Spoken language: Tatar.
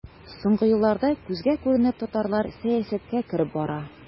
Соңгы елларда күзгә күренеп татарлар сәясәткә кереп бара.